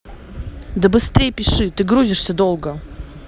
да быстрей пиши ты грузишься долго